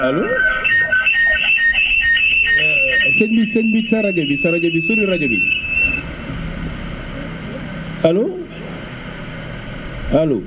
allo sëñ bi sëñ bi sa rajo bi sa rajo bi soril rajo bi allo allo